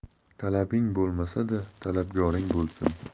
talabing bo'lmasa da talabgoring bo'lsin